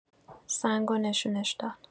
سنگو نشونش داد.